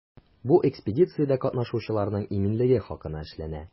Бу экспедициядә катнашучыларның иминлеге хакына эшләнә.